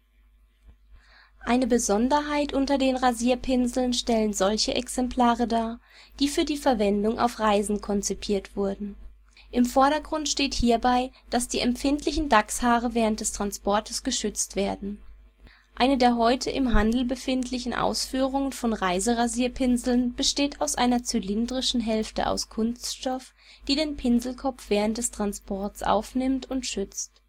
Eine Besonderheit unter den Rasierpinsel stellen solche Exemplare dar, die für die Verwendung auf Reisen konzipiert wurden. Im Vordergrund steht hierbei, dass die empfindlichen Dachshaare während des Transportes geschützt werden. Eine der heute im Handel befindliche Ausführungen von Reiserasierpinseln besteht aus einer zylindrischen Hülle aus Kunststoff, die den Pinselkopf während des Transports aufnimmt und schützt